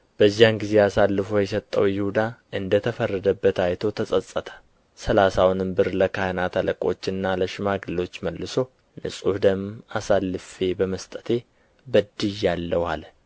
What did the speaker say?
በዚያን ጊዜ አሳልፎ የሰጠው ይሁዳ እንደ ተፈረደበት አይቶ ተጸጸተ ሠላሳውንም ብር ለካህናት አለቆችና ለሽማግሎች መልሶ ንጹሕ ደም አሳልፌ በመስጠቴ በድያለሁ አለ